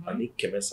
Ani kɛmɛ san